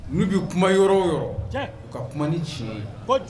N'u bɛ kuma yɔrɔ yɔrɔ ka kuma ni tiɲɛ ye